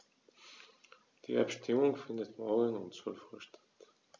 Die Abstimmung findet morgen um 12.00 Uhr statt.